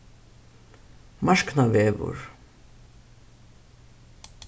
marknavegur